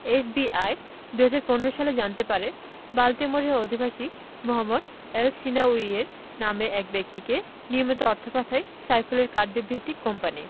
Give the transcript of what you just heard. FBI ২০১৫ সালে জানতে পারে বাল্টিমোরের অধিবাসী মোহাম্মদ এলসহিনাউয়ি নামের এক ব্যক্তিকে নিয়মিত অর্থ পাঠায় সাইফুলের কার্ডিফভিত্তিক কোম্পানি